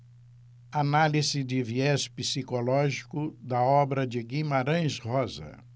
análise de viés psicológico da obra de guimarães rosa